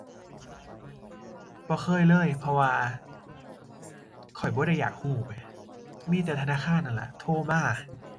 บ่เคยเลย เพราะว่าข้อยบ่ได้อยากรู้แหม มีแต่ธนาคารนั่นล่ะโทรมา